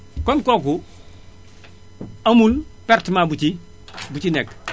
kon kooku amul perte bu ciy bu ci nekk